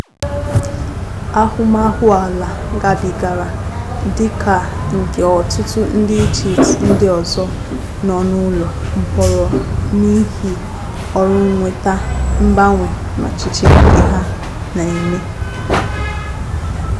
Ahụmahụ Alaa gabigara dị ka nke ọtụtụ ndị Egypt ndị ọzọ nọ n'ụlọ mkpọrọ n'ihi ọrụ mweta mgbanwe n'ọchịchị nke ha na-eme.